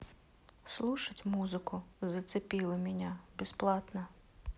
слушать музыку зацепила меня бесплатно